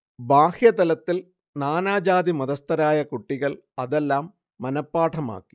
ബാഹ്യതലത്തിൽ നാനാ ജാതി-മതസ്ഥരായ കുട്ടികൾ അതെല്ലാം മനപ്പാഠമാക്കി